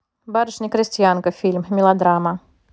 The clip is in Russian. барышня крестьянка фильм мелодрама